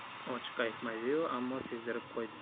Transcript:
ochiq aytmadi yu ammo sezdirib qo'ydi